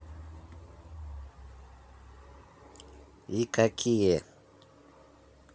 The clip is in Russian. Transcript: и какие